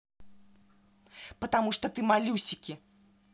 потому что ты малюсики